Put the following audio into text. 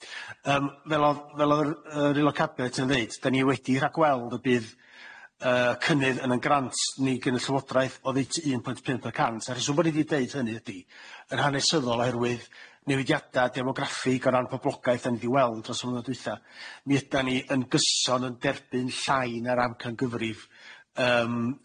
Yym fel o'dd- fel o'dd yr- yr Aelod Cabinet yn ddeud, dan ni wedi rhagweld y bydd yyy cynnydd yn yn grant ni gin y llywodraeth oddeutu un pwynt pump y cant, a rheswm bo' ni di deud hynny ydi, yn hanesyddol oherwydd newidiada demograffig o ran poblogaeth dan ni di weld dros y blynyddoedd dwytha, mi ydan ni yn gyson yn derbyn llai na'r amcangyfrif yym